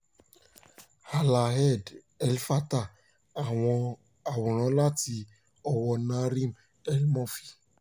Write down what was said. Alaa Abd El Fattah, àwòrán láti ọwọ́ Nariman El-Mofty.